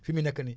fi mu nekk nii